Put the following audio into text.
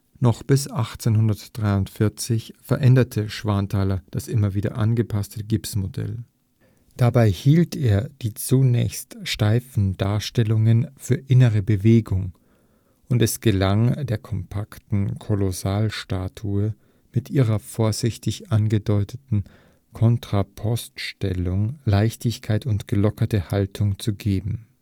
Noch bis 1843 veränderte Schwanthaler das immer wieder angepasste Gipsmodell. Dabei erhielt die zunächst steife Darstellungen „ innere Bewegung “und es „ gelang, der kompakten Kolossalstatue mit ihrer vorsichtig angedeuteten Kontrapoststellung Leichtigkeit und gelockerte Haltung zu geben